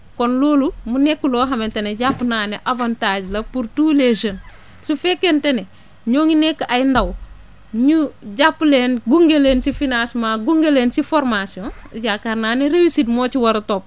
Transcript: kon loolu mu nekk loo xamante ne jàpp naa ne avantage la pour tous les jeunes su fekkente ne ñoo ngi nekk ay ndaw ñu jàpp leen gunge leen ci finacement gunge leen si formation yaakaar naa ni réussite moo ci war a topp